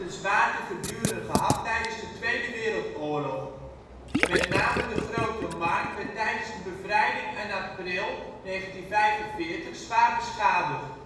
zwaar te verduren gehad tijdens de Tweede Wereldoorlog. Met name de Grote Markt werd tijdens de bevrijding in april 1945 zwaar beschadigd